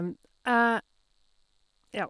Ja.